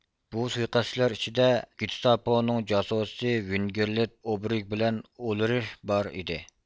بۇ سۇيىقەستچىلەر ئىچىدە گېستاپونىڭ جاسۇسى ۋېنگرلېد ئوبېرگ بىلەن ئۇلرىھ بار ئىدى